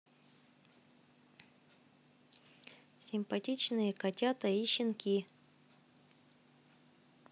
симпатичные котята и щенки